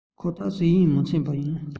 ཁོ ཐག ཟས ཡིད མི ཚིམ པ ཡིན